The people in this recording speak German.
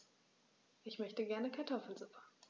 Ich möchte gerne Kartoffelsuppe.